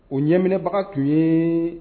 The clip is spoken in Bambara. O ɲɛminɛbaga tun ye